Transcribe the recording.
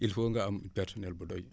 il faut nga am personnels bu doy